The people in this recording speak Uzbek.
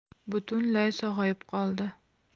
butunlay sog'ayib qoldi